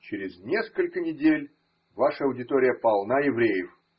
Через несколько недель – ваша аудитория полна евреев.